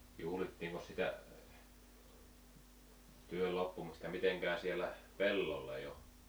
juhlittiinkos sitä työn loppumista mitenkään siellä pellolla jo